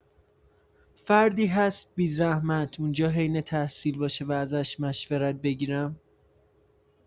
فردی هست بی‌زحمت اونجا حین تحصیل باشه و ازش مشورت بگیرم؟